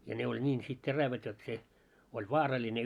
ja ne oli niin sitten terävät jotta se oli vaarallinen